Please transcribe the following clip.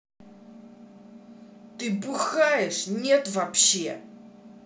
ты бухаешь нет вообще